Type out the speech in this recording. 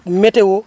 météo